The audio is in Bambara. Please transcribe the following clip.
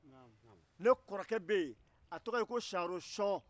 ne kɔrɔkɛ bɛ yen a tɔgɔ ye ko siyanro shɔn